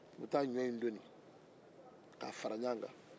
ka taa ɲɔ in doni k'a fara ɲɔgɔ kan